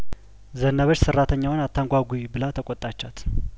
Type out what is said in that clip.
ዘነበች ሰራተኛዋን አታንጓጉ ብላ ተቆጣቻት